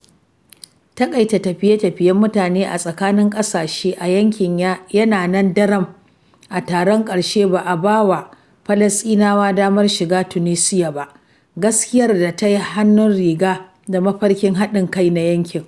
Taƙaita tafiye-tafiyen mutane a tsakanin ƙasashe a yankin yana nan daram (a taron ƙarshe, ba a ba wa Falasɗinawa damar shiga Tunisiya ba), gaskiyar da tayi hannun riga da mafarkin haɗin kai na yankin.